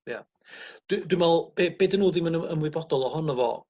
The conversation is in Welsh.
Ie. Dwi dwi me'wl be' be' 'dyn n'w ddim yn ym- ymwybodol ohono fo